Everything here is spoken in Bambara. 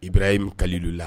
Ib e kalililu la